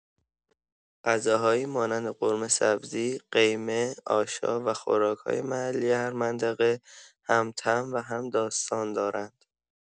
غذاهایی مانند قرمه‌سبزی، قیمه، آش‌ها و خوراک‌های محلی هر منطقه، هم طعم و هم‌داستان دارند.